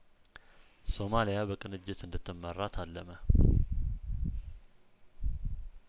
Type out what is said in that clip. ሶማሊያ በቅንጅት እንድትመራ ታለመ